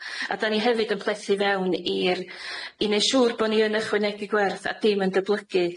a 'dan ni hefyd yn plethu fewn i'r i neu' siŵr bo' ni yn ychwanegu gwerth, a dim yn datblygu.